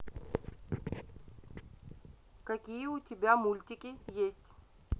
какие у тебя мультики есть